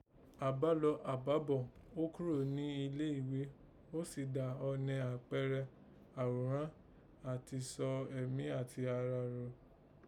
Àbálọ àbábọ̀, ó kúrò ní ilé ìghé, ó sì dá ọnẹ àpẹẹrẹ àghòrán àti sọ ẹ̀mí àti ara ró